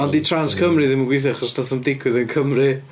Ond dydi Trans-Cymru ddim yn gweithio achos wnaeth o ddim digwydd yn Cymru.